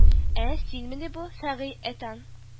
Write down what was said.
Ә, синмени бу, Фәгый эт ан